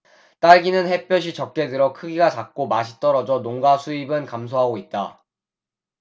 딸기는 햇볕이 적게 들어 크기가 작고 맛이 떨어져 농가 수입은 감소하고 있다